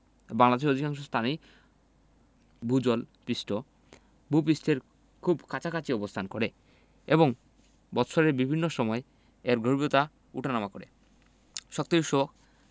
বাংলাদেশের অধিকাংশ স্থানেই ভূ জল পৃষ্ঠ ভূ পৃষ্ঠের খুব কাছাকাছি অবস্থান করে এবং বৎসরের বিভিন্ন সময় এর গভীরতা উঠানামা করে শক্তির উৎসঃ